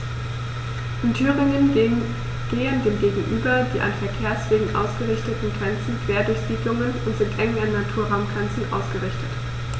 In Thüringen gehen dem gegenüber die an Verkehrswegen ausgerichteten Grenzen quer durch Siedlungen und sind eng an Naturraumgrenzen ausgerichtet.